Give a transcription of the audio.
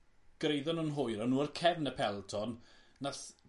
gyraeddon nw'n hwyr o'n n'w ar cefn y peleton nath